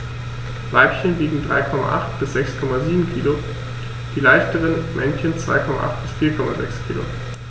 Weibchen wiegen 3,8 bis 6,7 kg, die leichteren Männchen 2,8 bis 4,6 kg.